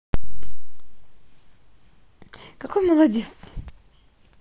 такой молодец